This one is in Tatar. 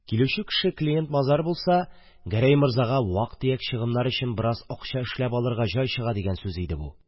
Килүче кеше клиент-мазар булса, Гәрәй морзага вак-төяк чыгымнар өчен бераз акча эшләп алырга җай чыга дигән сүз иде бу.